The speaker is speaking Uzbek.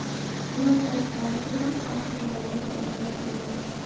quyon qopqoni bilan arslonni ovlab bo'lmas